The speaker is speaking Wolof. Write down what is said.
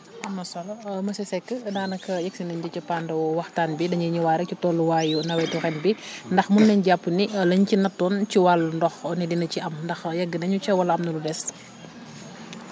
am na solo monsieur Seck daanaka yegg si nañ ci cappaandaw waxtaan bi dañuy ñëwaat rek ci tolluwaayu nawetu ren bi ndax mun nañ jàpp ni lañ ci nattoon ci wàllu ndox ne dina ci am ndax yegg nañu ca wala am na lu des